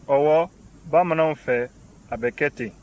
ɔwɔ bamananw fɛ a bɛ kɛ ten